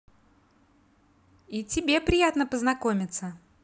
и тебе приятно познакомиться